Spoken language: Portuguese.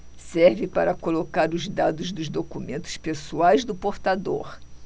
serve para colocar os dados dos documentos pessoais do portador